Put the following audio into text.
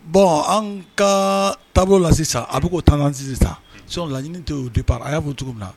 Bɔn an ka taabolo la sisan a bɛ k'o taa sisan sisan son laɲiniini tɛ y'o di pan a y'o cogo min na